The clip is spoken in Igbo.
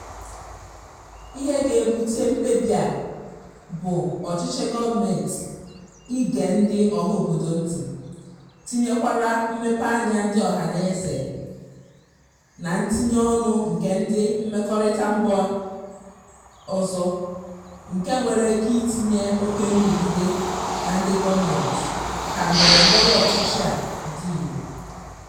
ZR: Ihe ga-ebute mkpebi a bụ ọchịchọ gọọmentị ị gee ndị ọhaobodo ntị, tinyekwara mmepeanya ndị ọhanaeze na ntinye ọnụ nke ndị mmekọrịta mba ọzọ nke nwere ike itinye oke nrụgide na ndị gọọmentị ka ndọrọndọrọ ọchịchị a dị irè.